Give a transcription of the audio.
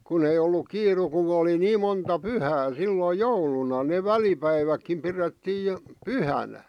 kun ei ollut kiire kun oli niin monta pyhää silloin jouluna ne välipäivätkin pidettiin - pyhänä